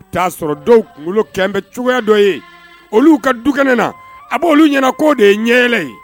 'a sɔrɔ dɔwkɛ bɛ cogoya dɔ ye olu ka dukɛnɛ na a b' olu ɲɛna ko de ye ɲɛɛlɛ ye